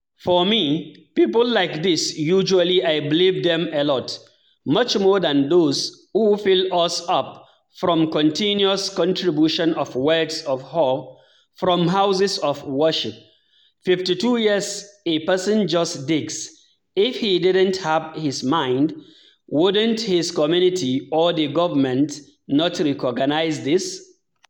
For me, people like these, usually I believe them a lot, much more than those who fill us [up] from continuous contributions of words of hope from houses of worship, 52 years a person just digs — if he didn't have his mind, wouldn't his community or the government not recognize this?